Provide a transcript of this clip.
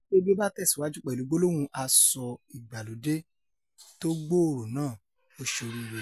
Àtipé bí ó bá tẹ̀síwájú pẹ̀lú gbólóhùn asọ ìgbàlódé tó gbòòrò náà- ó ṣe oríire.